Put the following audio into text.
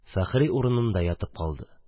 Фәхри урынында ятып калды.